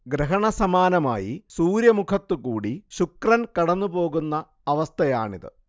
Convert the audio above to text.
ഗ്രഹണസമാനമായി സൂര്യമുഖത്തുകൂടി ശുക്രൻ കടന്നുപോകുന്ന അവസ്ഥയാണിത്